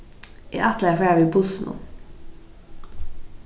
eg ætlaði at fara við bussinum